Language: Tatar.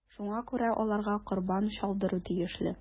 Шуңа күрә аларга корбан чалдыру тиешле.